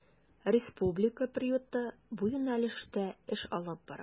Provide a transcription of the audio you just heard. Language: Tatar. Республика приюты бу юнәлештә эш алып бара.